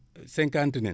cinquante nen